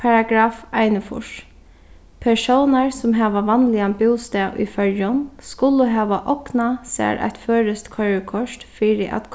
paragraff einogfýrs persónar sum hava vanligan bústað í føroyum skulu hava ognað sær eitt føroyskt koyrikort fyri at